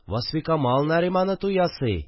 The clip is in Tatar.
Васфикамал Нариманы туй ясый